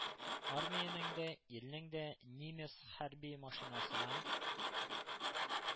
Армиянең дә, илнең дә нимес хәрби машинасына